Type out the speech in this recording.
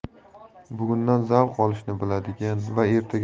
bugundan zavq olishni biladigan va